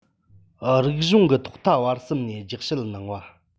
རིག གཞུང གི ཐོག མཐའ བར གསུམ ནས ལྗགས བཤད གནང བ